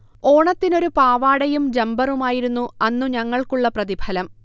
ഓണത്തിനൊരു പാവാടയും ജംബറുമായിരുന്നു അന്നു ഞങ്ങൾക്കുള്ള പ്രതിഫലം